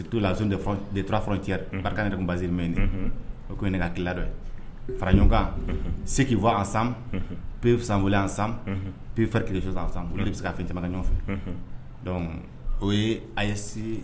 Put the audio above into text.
Fara ɲɔgɔnka seki fɔ an san pe san san pepf kisan san bɛ se ka fɛn jamana ɲɔgɔn fɛ o ye ayi